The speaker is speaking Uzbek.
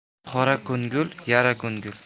qora ko'ngil yara ko'ngil